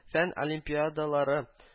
Фән олимпиадалары